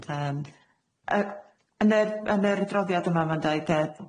Yym yy yn yr yn yr adroddiad yma ma'n deud yy